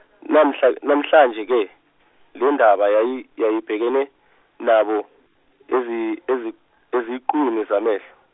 namhla- namhlanje -ke lendaba yayi- yayibhekene nabo, ezi- ezi- eziqwini zamehlo.